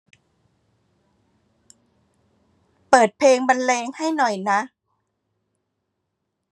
เปิดเพลงบรรเลงให้หน่อยนะ